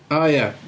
O ie.